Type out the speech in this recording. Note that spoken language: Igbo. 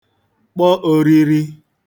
kpọ ōrīrī